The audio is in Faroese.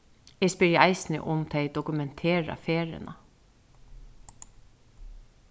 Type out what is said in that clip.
eg spyrji eisini um tey dokumentera ferðina